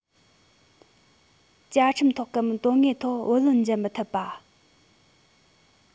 བཅའ ཁྲིམས ཐོག གམ དོན དངོས ཐོག བུ ལོན འཇལ མི ཐུབ པ